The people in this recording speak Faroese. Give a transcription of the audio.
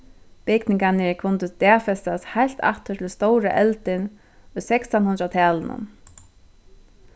bygningarnir kunnu dagfestast heilt aftur til stóra eldin í sekstanhundraðtalinum